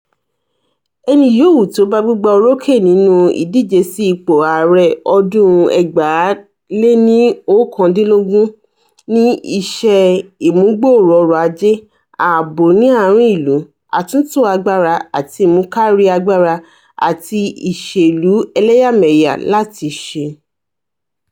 Ẹni yòówù tí ó bá gbégbá-orókè nínú ìdíje sí ipò ààrẹ ọdún 2019 ní iṣẹ́ ìmúgbòòrò ọrọ̀ Ajé, ààbò ní àárín ìlú, àtúntò agbára àti ìmúkárí agbára, àti ìṣèlú elẹ́yàmẹyà làti ṣe.